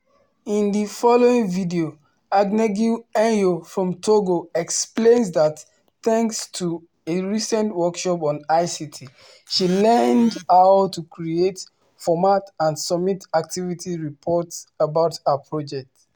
In the following video, Agnegue Enyo from Togo explains that thanks to a recent workshop on ICT, she learned how to create, format and submit activity reports about her project.